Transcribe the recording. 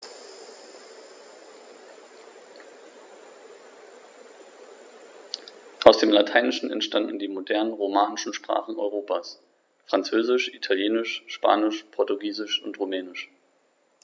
Aus dem Lateinischen entstanden die modernen „romanischen“ Sprachen Europas: Französisch, Italienisch, Spanisch, Portugiesisch und Rumänisch.